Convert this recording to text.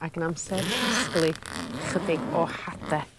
ac yn amser casglu chydig o hade.